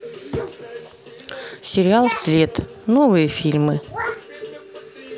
сериал след новые фильмы